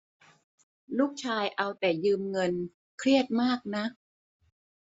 ลูกชายเอาแต่ยืมเงินเครียดมากนะ